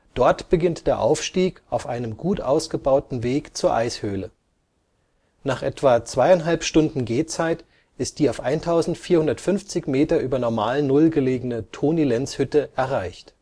Dort beginnt der Aufstieg auf einem gut ausgebauten Weg zur Eishöhle. Nach etwa 2,5 Stunden Gehzeit ist die auf 1450 Meter über Normalnull gelegene Toni-Lenz-Hütte erreicht